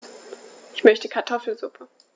Ich möchte Kartoffelsuppe.